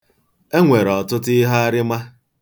E nwere ọtụtụ ihearịma.